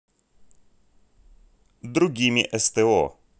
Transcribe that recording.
другими сто